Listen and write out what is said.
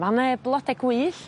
Ma' na blode gwyllt,